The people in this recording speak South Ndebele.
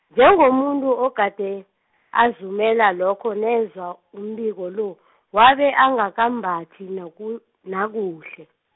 njengomuntu ogade, azumela lokha nezwa umbiko lo , wabe angakambathi noku- nakuhle.